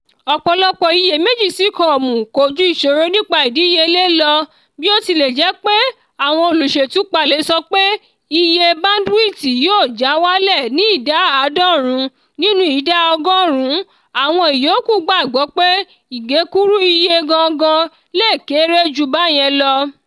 Ọ̀pọ̀lọpọ̀ iyèméjì Seacom kò ju ìṣòro nípa ìdíyelé lọ: bí ó tilẹ̀ jẹ́ pé àwọn olùṣètúpalẹ̀ sọ pé iye báńdíwìtì yóò já wálẹ̀ ní ìdá 90 nínú ìdá ọgọ́rùn-ún, àwọn ìyókù gbàgbọ́ pé ìgékúrú iye gangan le kéré jù bá yẹn lọ.